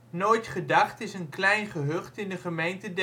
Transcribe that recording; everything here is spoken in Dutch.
Nooitgedacht is een klein gehucht in de gemeente